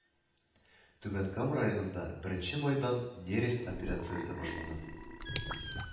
Түбән Кама районында беренче майдан Нерест операциясе башлана